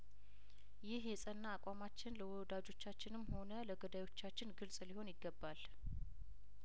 ይህ የጸና አቋማችን ለወዳጆቻችንም ሆነ ለገዳዮቻችን ግልጽ ሊሆን ይገባል